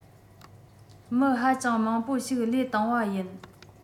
མི ཧ ཅང མང པོ ཞིག བློས བཏང བ ཡིན